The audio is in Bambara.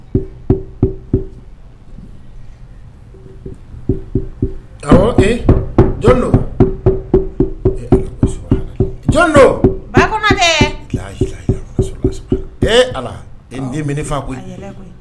Ala e den fa